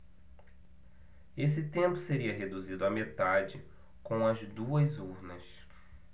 esse tempo seria reduzido à metade com as duas urnas